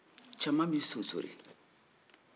cɛman bi sonsonri